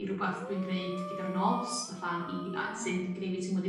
i rwbath dwi'n gneud gyda'r nos fatha i... Ia. ...a- sy'n gneu' fi teimlo 'di